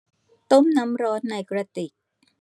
ต้มน้ำร้อนในกระติก